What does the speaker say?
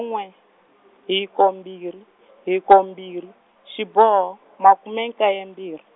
n'we hiko mbirhi, hiko mbirhi, xiboho, makume nkaye mbirhi.